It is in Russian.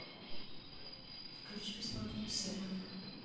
включи бесплатные сериалы